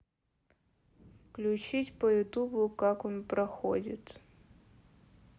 включить по ютубу как он проходит